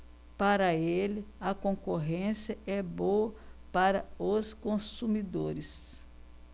para ele a concorrência é boa para os consumidores